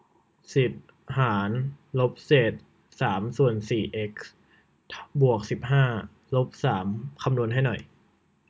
สิบหารลบเศษสามส่วนสี่เท่ากับเอ็กซ์บวกสิบห้าลบสามคำนวณให้หน่อย